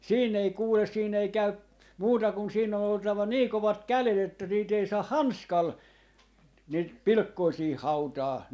siinä ei kuule siinä ei käy muuta kuin siinä on oltava niin kovat kädet että niitä ei saa hanskalla niitä pilkkoja siihen hautaa